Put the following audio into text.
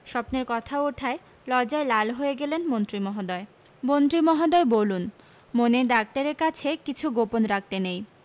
স্বপ্নের কথা ওঠায় লজ্জায় লাল হয়ে গেলেন মন্ত্রী মহোদয় মন্ত্রী মহোদয় বলুন মনের ডাক্তারের কাছে কিছু গোপন রাখতে নেই